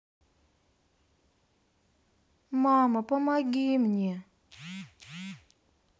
мама помоги мне